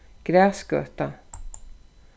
grasgøta